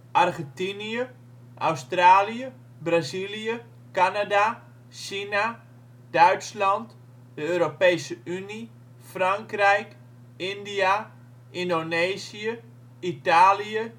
Argentinië Australië Brazilië Canada China Duitsland Europese Unie Frankrijk India Indonesië Italië